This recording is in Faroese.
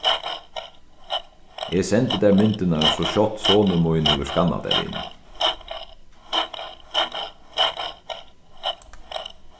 eg sendi tær myndirnar so skjótt sonur mín hevur skannað tær inn